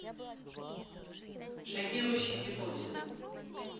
шокирующие гипотезы